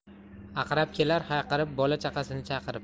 aqrab kelar hayqirib bola chaqasini chaqirib